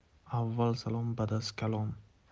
avval salom bad'az kalom